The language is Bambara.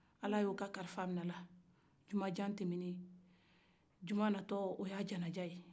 ala y'o ka kalifa minɛ jumajan tɛmɛne juma natɔ o janaja ye